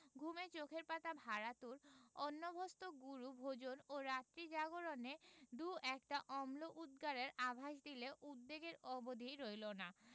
ঘুমে চোখের পাতা ভারাতুর অনভ্যস্ত গুরু ভোজন ও রাত্রি জাগরণে দু একটা অম্ল উদগারের আভাস দিলে উদ্বেগের অবধি রইল না